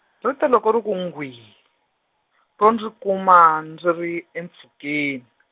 ri te loko ri ku gwiii, ro ndzi kuma ndzi ri emimpfhukeni.